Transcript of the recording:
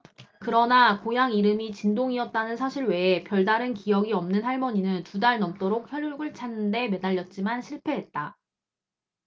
그러나 고향 이름이 진동이었다는 사실 외에 별다른 기억이 없는 할머니는 두 달 넘도록 혈육을 찾는 데 매달렸지만 실패했다